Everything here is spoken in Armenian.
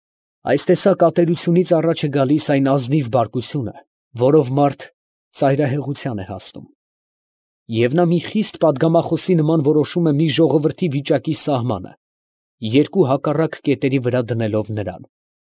Այս տեսակ ատելությունից առաջ է գալիս այն ազնիվ բարկությունը, որով մարդ ծայրահեղության է հասնում, և նա մի խիստ պատգամախոսի նման որոշում է մի ժողովրդի վիճակի սահմանը, երկու հակառակ կետերի վրա դնելով նրան,